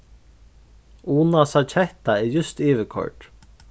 unasa ketta er júst yvirkoyrd